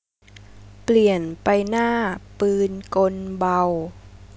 เปลี่ยนไปหน้้าปืนกลเบา